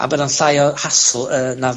A bod o'n llai o hassle yy na...